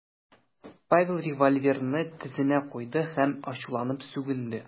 Павел револьверны тезенә куйды һәм ачуланып сүгенде .